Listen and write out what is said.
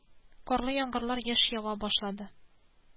Карлы яңгырлар еш ява башлады